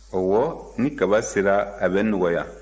ɔwɔ ni kaba sera a bɛ nɔgɔya